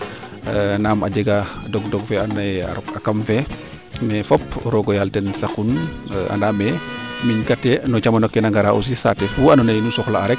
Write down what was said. naam a jega dog dog fe ando naye a rok a kam fee mais fpop roogo yaal ten saqun anaame miñ ka te no camano ke na ngara aussi saate fu ando naye nu soxla aan rek